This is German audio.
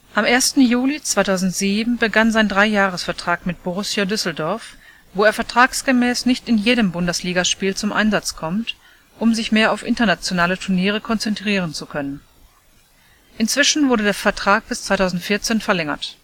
Am 1. Juli 2007 begann sein Drei-Jahres-Vertrag mit Borussia Düsseldorf, wo er vertragsgemäß nicht in jedem Bundesligaspiel zum Einsatz kommt, um sich mehr auf internationale Turniere konzentrieren zu können. Inzwischen wurde der Vertrag bis 2014 verlängert